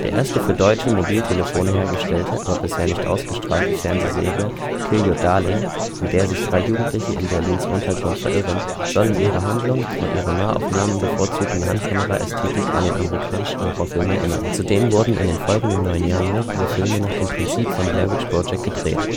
erste für deutsche Mobiltelephone hergestellte, aber bisher nicht ausgestrahlte „ Fernseh “- Serie, Kill Your Darling, in der sich drei Jugendliche in Berlins Untergrund verirren, soll in ihrer Handlung und ihrer Nahaufnahmen bevorzugenden Handkamera-Ästhetik an den amerikanischen Horrorfilm erinnern. Zudem wurden in den folgenden neun Jahren mehrere Filme nach dem Prinzip von Blair Witch Project gedreht